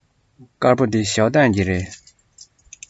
དཀར པོ འདི ཞའོ ཏོན གྱི རེད